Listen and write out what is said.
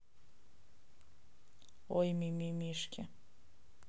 ой мимимишки